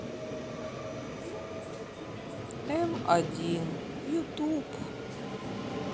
м один ютуб